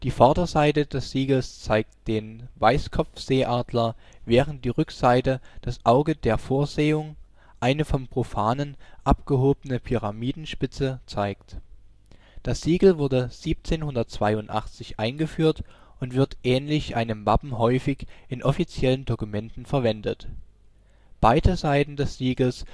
Vorderseite des Siegels zeigt den Weißkopfseeadler, während die Rückseite das Auge der Vorsehung, eine vom Profanen abgehobene Pyramidenspitze, zeigt. Das Siegel wurde 1782 eingeführt und wird ähnlich einem Wappen häufig in offiziellen Dokumenten verwendet. Beide Seiten des Siegels